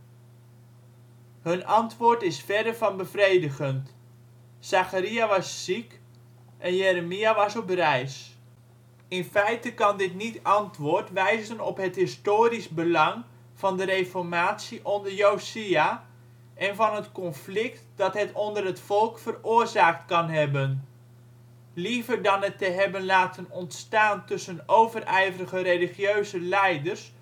antwoord is verre van bevredigend: Zacharia was ziek en Jeremia was op reis! In feite kan dit niet-antwoord wijzen op het historisch belang van de reformatie onder Josia, en van het conflict dat het onder het volk veroorzaakt kan hebben. Liever dan het te hebben laten ontstaan tussen over-ijverige religieuze leiders